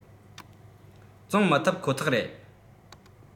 བཙོང མི ཐུབ ཁོ ཐག རེད